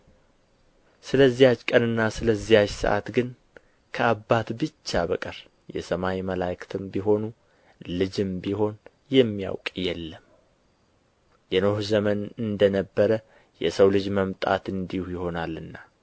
ስለዚያች ቀንና ስለዚያች ሰዓት ግን ከአባት ብቻ በቀር የሰማይ መላእክትም ቢሆኑ ልጅም ቢሆን የሚያውቅ የለም የኖኅ ዘመን እንደ ነበረ የሰው ልጅ መምጣት እንዲሁ ይሆናልና